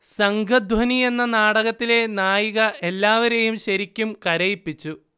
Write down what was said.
സംഘധ്വനി എന്ന നാടകത്തിലെ നായിക എല്ലാവരെയും ശരിക്കും കരയിപ്പിച്ചു